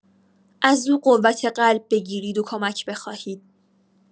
از او قوت قلب بگیرید و کمک بخواهید.